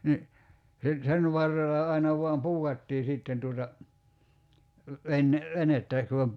niin se sen varrella aina vain puukattiin sitten tuota - venettä kun on -